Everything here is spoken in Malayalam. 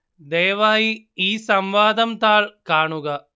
ദയവായി ഈ സംവാദം താൾ കാണുക